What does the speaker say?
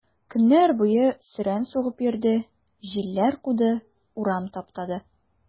Көннәр буе сөрән сугып йөрде, җилләр куды, урам таптады.